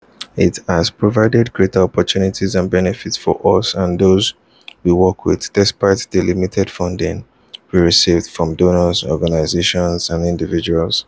It has provided greater opportunities and benefits for us and those we work with, despite the limited funding we received from donor organizations and individuals.